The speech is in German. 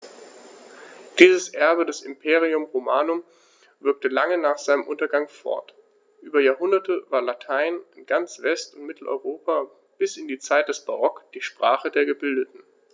Dieses Erbe des Imperium Romanum wirkte lange nach seinem Untergang fort: Über Jahrhunderte war Latein in ganz West- und Mitteleuropa bis in die Zeit des Barock die Sprache der Gebildeten.